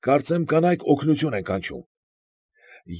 Կարծեմ կանայք օգնության են կանչում։